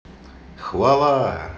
хвала